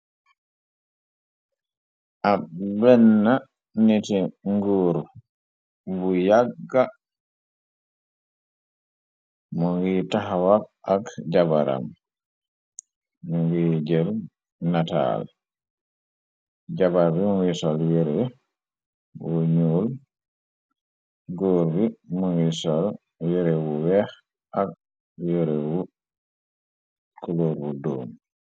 ab benna niti ngóur bu yàgga mu ngiy taxawab ak jabaram mi ngiy jël nataal jabar bi mu ngi sol yere wu ñuul góor bi mu ngiy sol yerewu weex ak yerewu clóor bu doom